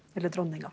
eller dronninga.